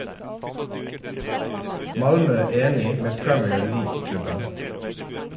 Malmö enig med Premier League-klubben.